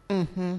Unhun